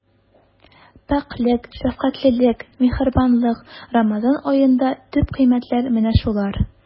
Пакьлек, шәфкатьлелек, миһербанлык— Рамазан аенда төп кыйммәтләр менә шулар.